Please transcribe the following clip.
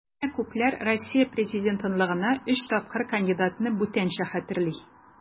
Әмма күпләр Россия президентлыгына өч тапкыр кандидатны бүтәнчә хәтерли.